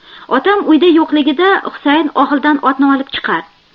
otam uyda yo'qligida husayn og'ildan otni olib chiqar